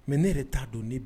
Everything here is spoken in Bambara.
Mais ne yɛrɛ ta dɔn